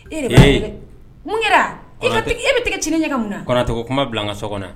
Ee mun kɛra e bɛ tigɛ ti ɲɛcogo kuma bila n ka so kɔnɔ